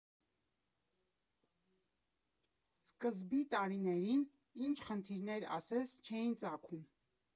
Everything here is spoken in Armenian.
Սկզբի տարիներին ինչ խնդիրներ ասես չէին ծագում։